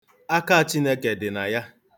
Aka Chineke dị na ya.